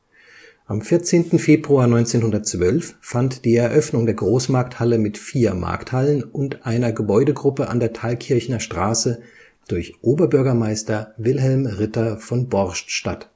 Am 14. Februar 1912 fand die Eröffnung der Großmarkthalle mit vier Markthallen und einer Gebäudegruppe an der Thalkirchner Straße durch Oberbürgermeister Wilhelm Ritter von Borscht statt